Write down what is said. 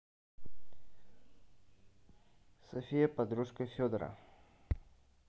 софия подружка федора